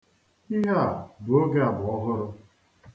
Ihe a bụ oge agbaọhụrụ.